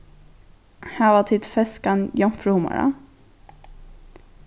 hava tit feskan jomfrúhummara